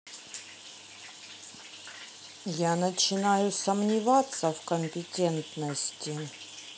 а я начинаю сомневаться в компетентности